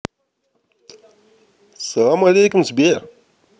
салам алейкум сбер